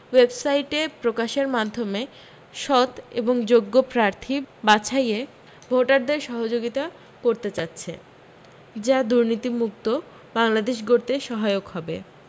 ওয়েবসাইটে প্রকাশের মাধ্যমে সত এবং যোগ্য প্রার্থী বাছাইয়ে ভোটারদের সহযোগিতা করতে চাচ্ছে যা দুর্নীতিমুক্ত বাংলাদেশ গড়তে সহায়ক হবে